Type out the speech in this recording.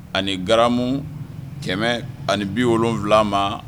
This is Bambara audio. Ani gamu kɛmɛ ani bi wolon wolonwula ma